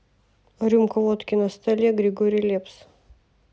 рюмка водки на столе григорий лепс